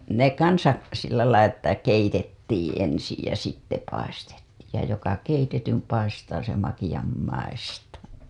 ne kanssa sillä lailla että keitettiin ensin ja sitten paistettiin ja joka keitetyn paistaa se makean maistaa